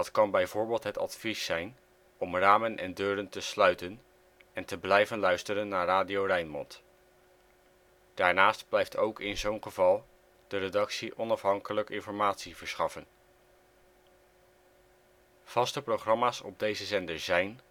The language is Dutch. kan bijvoorbeeld het advies zijn om ramen en deuren te sluiten, en te blijven luisteren naar Radio Rijnmond. Daarnaast blijft ook in zo 'n geval de redactie onafhankelijk informatie verschaffen. Vaste programma 's op deze zender zijn